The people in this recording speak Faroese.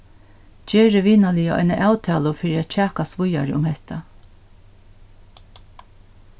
gerið vinarliga eina avtalu fyri at kjakast víðari um hetta